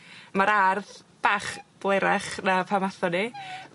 Ma'r ardd bach blerach na pam atho ni.